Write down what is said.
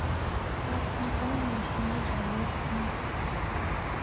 страшные тайны о семье барбоскиных